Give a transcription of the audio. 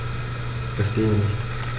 Verstehe nicht.